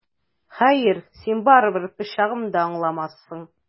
Хәер, син барыбер пычагым да аңламассың!